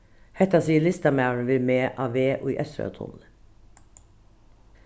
hetta sigur listamaðurin við meg á veg í eysturoyartunnilin